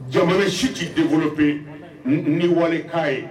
Jamana si t tɛ dekolo bɛ ni wale k'a ye